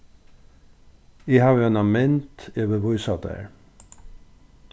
eg havi eina mynd eg vil vísa tær